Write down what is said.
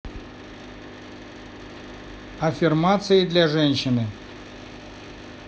аффирмации для женщины